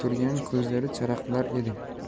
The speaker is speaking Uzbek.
turgan ko'zlari charaqlar edi